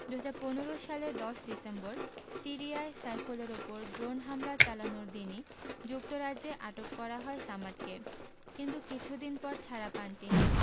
২০১৫ সালের ১০ ডিসেম্বর সিরিয়ায় সাইফুলের ওপর ড্রোন হামলা চালানোর দিনই যুক্তরাজ্যে আটক করা হয় সামাদকে কিন্তু কিছুদিন পর ছাড়া পান তিনি